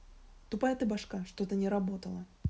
тупая ты башка что то не работала